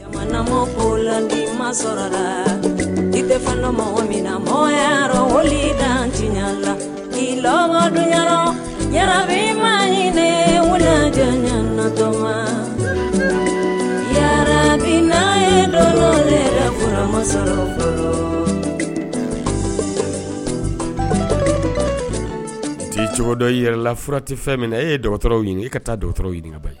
Mɔladi ma sɔrɔ i tɛ fana mɔgɔ min mɔgɔyara latila lamɔ ya ma ɲ lela ya dɔrɔn lekumamasa t cogo dɔ i yɛrɛ la furati fɛn min na e ye dɔgɔ dɔgɔtɔrɔw ɲini i ka taa dɔgɔtɔrɔw ɲiniba ye